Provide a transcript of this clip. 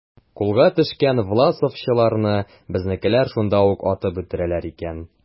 Кулга төшкән власовчыларны безнекеләр шунда ук атып үтерәләр икән.